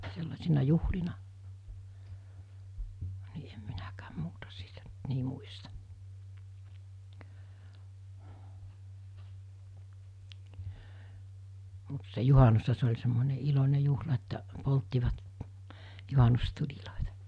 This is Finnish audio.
sellaisina juhlina niin en minäkään muuta siitä nyt niin muista mutta se juhannushan se oli semmoinen iloinen juhla että polttivat juhannustulia